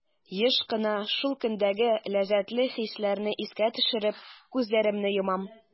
Еш кына шул көндәге ләззәтле хисләрне искә төшереп, күзләремне йомам.